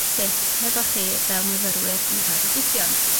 top tips hefo chi fel myfyrwyr ne' raddedigion.